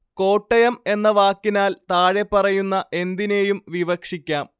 കോട്ടയം എന്ന വാക്കിനാൽ താഴെപ്പറയുന്ന എന്തിനേയും വിവക്ഷിക്കാം